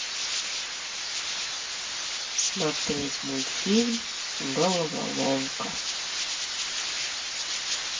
смотреть мультфильм головоломка